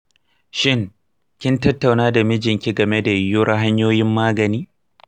shin kin tattauna da mijinki game da yiwuwar hanyoyin magani?